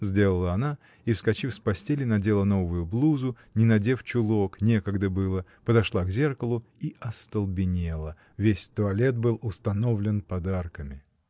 — сделала она и, вскочив с постели, надела новую блузу, не надев чулок, — некогда было — подошла к зеркалу и остолбенела: весь туалет был установлен подарками.